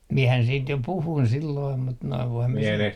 minähän siitä jo puhuin silloin mutta nuo voin minä sen